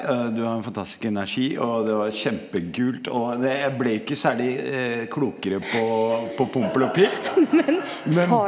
du har en fantastisk energi, og det var kjempekult, og det jeg ble ikke særlig klokere på på Pompel og Pilt men.